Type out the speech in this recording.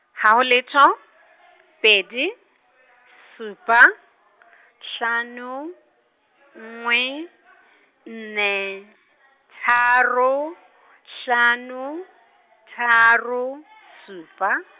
haho letho, pedi, supa, hlano, nngwe, nne, tharo, hlano, tharo, supa.